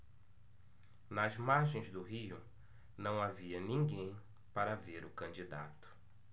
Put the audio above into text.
nas margens do rio não havia ninguém para ver o candidato